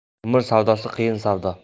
umr savdosi qiyin savdo